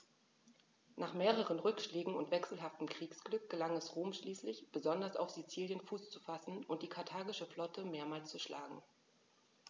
Nach mehreren Rückschlägen und wechselhaftem Kriegsglück gelang es Rom schließlich, besonders auf Sizilien Fuß zu fassen und die karthagische Flotte mehrmals zu schlagen.